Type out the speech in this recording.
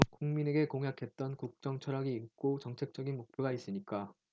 국민에게 공약했던 국정 철학이 있고 정책적인 목표가 있으니까